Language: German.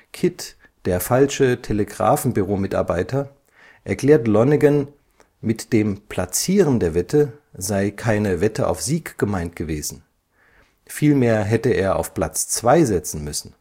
Kid, der falsche Telegrafenbüromitarbeiter, erklärt Lonnegan, mit dem „ Platzieren “der Wette sei keine Wette auf Sieg gemeint gewesen. Vielmehr hätte er auf Platz 2 setzen müssen